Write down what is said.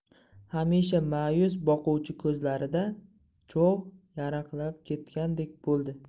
hamisha mayus boquvchi ko'zlarida cho'g' yaraqlab ketgandek bo'ldi